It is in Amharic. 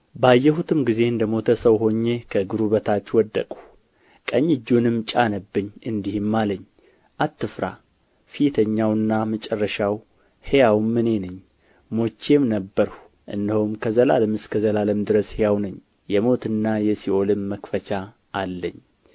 ባየሁትም ጊዜ እንደ ሞተ ሰው ሆኜ ከእግሩ በታች ወደቅሁ ቀኝ እጁንም ጫነብኝ እንዲህም አለኝ አትፍራ ፊተኛውና መጨረሻው ሕያውም እኔ ነኝ ሞቼም ነበርሁ እነሆም ከዘላለም እስከ ዘላለም ድረስ ሕያው ነኝ የሞትና የሲኦልም መክፈቻ አለኝ